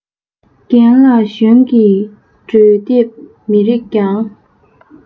རྒན ལ གཞོན གྱིས གྲོས འདེབས མི རིགས ཀྱང